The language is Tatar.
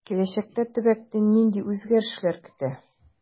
Киләчәктә төбәкне нинди үзгәрешләр көтә?